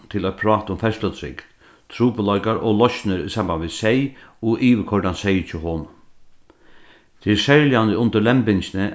til eitt prát um ferðslutrygd trupulleikar og loysnir í sambandi við seyð og yvirkoyrdan seyð hjá honum tað er serligani undir lembingini